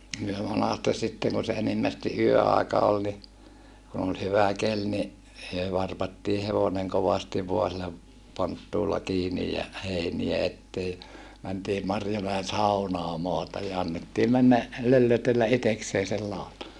me monasti sitten kun se enimmästi yöaika oli niin kun oli hyvä keli niin me varpattiin hevonen kovasti vain sillä ponttuulla kiinni ja heiniä eteen mentiin Marjomäen saunaan maata ja annettiin mennä löllötellä itsekseen sen lautan